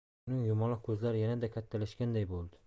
uning yumaloq ko'zlari yanada kattalashganday bo'ldi